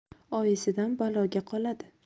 oyisidan baloga qoladi